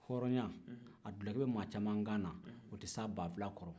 hɔrɔnya a duloki bɛ maa caman kan na u tɛ s'a banfula kɔrɔ